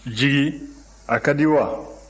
jigi a ka di wa